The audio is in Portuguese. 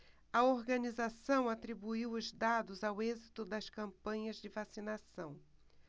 a organização atribuiu os dados ao êxito das campanhas de vacinação